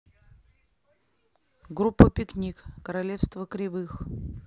группа пикник королевство кривых